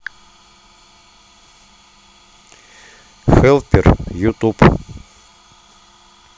хелпер ютуб